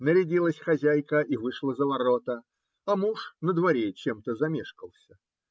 Нарядилась хозяйка и вышла за ворота, а муж во дворе чем-то замешкался.